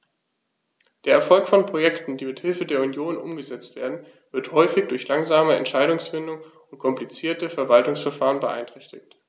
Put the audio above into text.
Der Erfolg von Projekten, die mit Hilfe der Union umgesetzt werden, wird häufig durch langsame Entscheidungsfindung und komplizierte Verwaltungsverfahren beeinträchtigt.